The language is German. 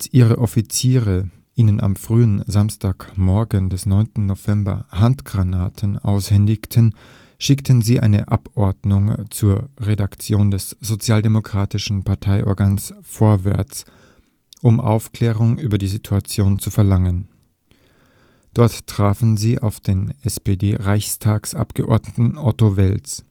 ihre Offiziere ihnen am frühen Samstagmorgen des 9. November Handgranaten aushändigten, schickten sie eine Abordnung zur Redaktion des sozialdemokratischen Parteiorgans Vorwärts, um Aufklärung über die Situation zu verlangen. Dort trafen sie auf den SPD-Reichstagsabgeordneten Otto Wels